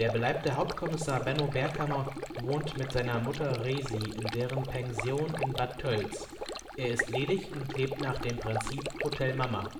beleibte Hauptkommissar Benno Berghammer wohnt mit seiner Mutter Resi in deren Pension in Bad Tölz. Er ist ledig und lebt nach dem Prinzip „ Hotel Mama